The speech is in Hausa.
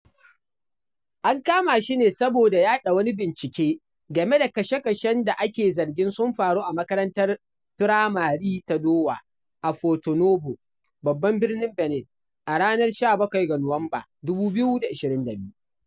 An kama shi ne saboda yaɗa wani bincike game da kashe-kashen da ake zargin sun faru a makarantar firamare ta Dowa a Porto-Novo (babban birnin Benin) a ranar 17 ga Nuwamba, 2022.